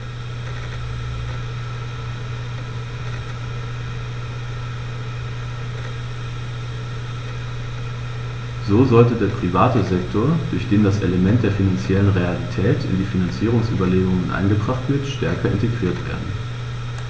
So sollte der private Sektor, durch den das Element der finanziellen Realität in die Finanzierungsüberlegungen eingebracht wird, stärker integriert werden.